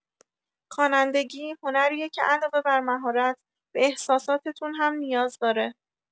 خوانندگی، هنریه که علاوه بر مهارت به احساساتتون هم نیاز داره.